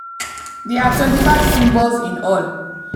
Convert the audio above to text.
There are 25 symbols in all.